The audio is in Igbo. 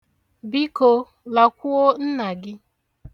Biko, lakwuo nna gị!